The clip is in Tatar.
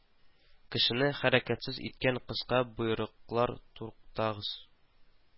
Кешене хәрәкәтсез иткән кыска боерыклар Туктагыз